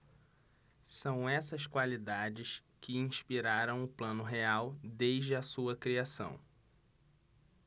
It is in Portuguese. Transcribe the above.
são essas qualidades que inspiraram o plano real desde a sua criação